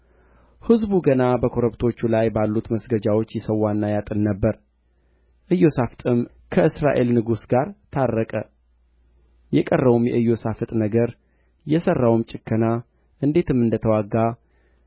ሕዝቡ ገና በኮረብቶቹ ላይ ባሉት መስገጃዎች ይሠዋና ያጥን ነበር ኢዮሣፍጥም ከእስራኤል ንጉሥ ጋር ታረቀ የቀረውም የኢዮሣፍጥ ነገር የሠራውም ጭከና እንዴትም እንደ ተወጋ